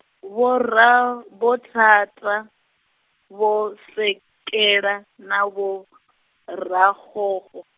Vho Rabothata, Vho -sekela, na Vho Rakgokgo.